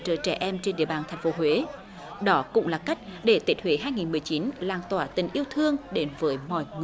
trợ trẻ em trên địa bàn thành phố huế đỏ cũng là cách để tết huế hai nghìn mười chín lan tỏa tình yêu thương đến với mọi người